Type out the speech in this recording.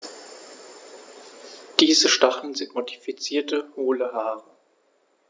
Diese Stacheln sind modifizierte, hohle Haare.